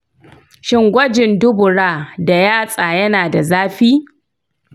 shin gwajin dubura da yasta yana da zafi?